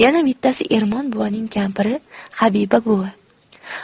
yana bittasi ermon buvaning kampiri habiba buvi